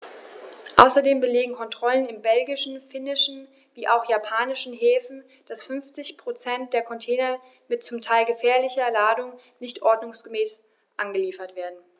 Außerdem belegen Kontrollen in belgischen, finnischen wie auch in japanischen Häfen, dass 50 % der Container mit zum Teil gefährlicher Ladung nicht ordnungsgemäß angeliefert werden.